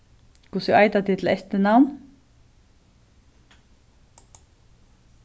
hvussu eita tit til eftirnavn